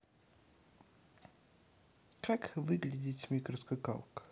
как выглядеть микро скакалка